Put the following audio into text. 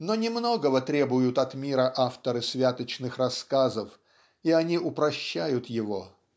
Но немногого требуют от мира авторы святочных рассказов и они упрощают его.